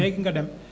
léegi nga dem